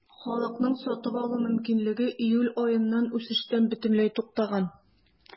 Халыкның сатып алу мөмкинлеге июль аеннан үсештән бөтенләй туктаган.